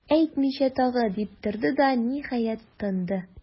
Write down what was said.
Әйтмичә тагы,- дип торды да, ниһаять, тынды.